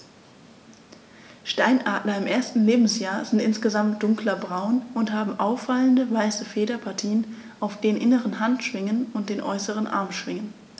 Steinadler im ersten Lebensjahr sind insgesamt dunkler braun und haben auffallende, weiße Federpartien auf den inneren Handschwingen und den äußeren Armschwingen.